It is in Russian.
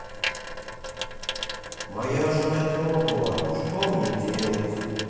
моя жена пернула что мне делать